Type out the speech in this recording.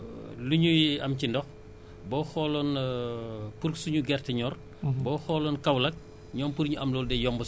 mën naa am ñun lu ñuy am ci ndox boo xooloon pour sunu gerte ñor